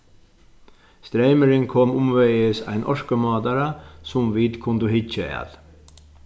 streymurin kom umvegis ein orkumátara sum vit kundu hyggja at